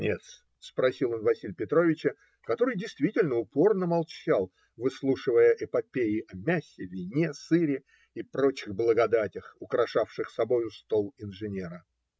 наконец спросил он Василия Петровича, который действительно упорно молчал, выслушивая эпопеи о мясе, вине, сыре и прочих благодатях, украшавших собою стол инженера.